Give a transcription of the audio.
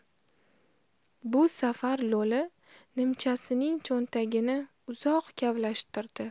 bu safar lo'li nimchasining cho'ntagini uzoq kavlashtirdi